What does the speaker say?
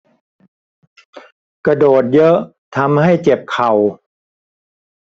กระโดดเยอะทำให้เจ็บเข่า